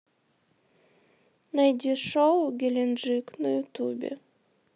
найди шоу геленджик на ютубе